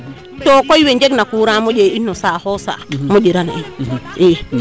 to koy wee njeg na courant moƴe in no saaxo saax moƴirano yo in i